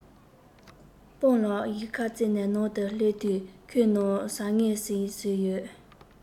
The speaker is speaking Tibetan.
སྤང ལགས གཞིས ཁ རྩེ ནས ནང དུ སླེབས དུས ཁོའི ནང ཟང ངེ ཟིང བཟོས ཡོད